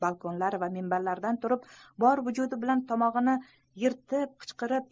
balkonlar va minbarlardan turib bor vujudi bilan tomog'ini yirtib qichqirib